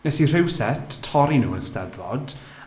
Wnes i rhywsut torri nhw yn y 'Steddfod.